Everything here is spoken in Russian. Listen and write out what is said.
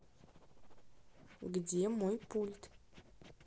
где мой пульт